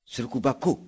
surukuba ko